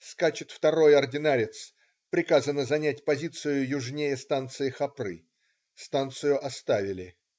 Скачет второй ординарец: приказано занять позицию южнее станции Хопры станцию оставили.